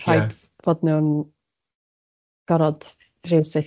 ... Ia. ...rhaid bod nhw'n gorod rhyw sut